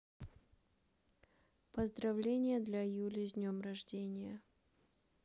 поздравление для юли с днем рождения